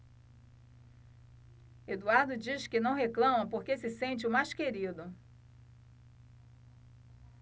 eduardo diz que não reclama porque se sente o mais querido